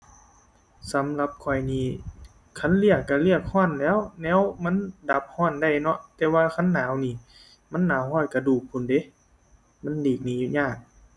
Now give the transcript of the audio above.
สำหรับข้อยนี้ คันเลือกก็เลือกก็แหล้ว แนวมันดับก็ได้เนาะ แต่ว่าคันหนาวหนิ มันหนาวฮอดกระดูกพู้นเด้ มันหลีกหนียาก